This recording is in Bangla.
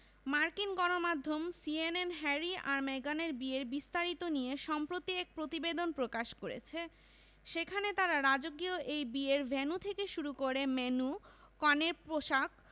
মার্কিন গণমাধ্যম সিএনএন হ্যারি আর মেগানের বিয়ের বিস্তারিত নিয়ে সম্প্রতি এক প্রতিবেদন প্রকাশ করেছে সেখানে তারা রাজকীয় এই বিয়ের ভেন্যু থেকে শুরু করে মেন্যু কনের পোশাক